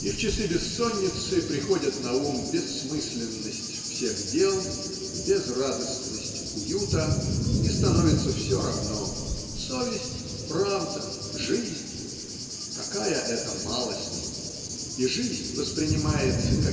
и в часы бессонницы приходят на ум бессмысленность всех дел безрадостность уюта и становится все равно совесть? правда? жизнь? какая это малость! - и жизнь воспринимается